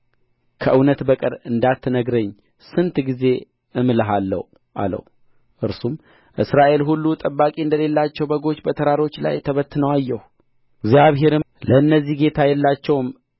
ከእውነት በቀር እንዳትነግረኝ ስንት ጊዜ አምልሃለሁ አለው እርሱም እስራኤል ሁሉ ጠባቂ እንደሌላቸው በጎች በተራሮች ላይ ተበትነው አየሁ እግዚአብሔርም ለእነዚህ ጌታ የላቸውም